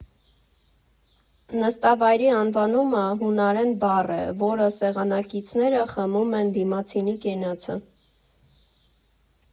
Նստավայրի անվանումը հունարեն բառ է, որով սեղանակիցները խմում են դիմացինի կենացը։